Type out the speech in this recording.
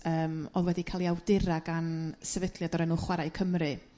yrm o'dd wedi cael 'i awdura gan sefydliad o'r enw chwarae Cymru.